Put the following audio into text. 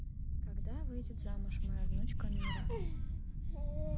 когда выйдет замуж моя внучка мира